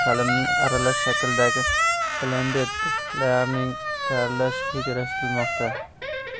ta'limning aralash shaklida blended learning tayyorlash rejalashtirilmoqda